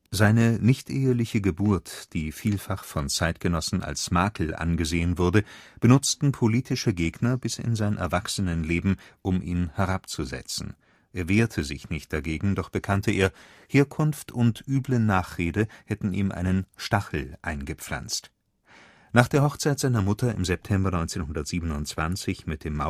Seine nichteheliche Geburt, die vielfach von Zeitgenossen als Makel angesehen wurde, benutzten politische Gegner bis in sein Erwachsenenleben, um ihn herabzusetzen. Er wehrte sich nicht dagegen, doch bekannte er, „ Herkunft und üble Nachrede “hätten ihm einen „ Stachel eingepflanzt “. Nach der Hochzeit seiner Mutter im September 1927 mit dem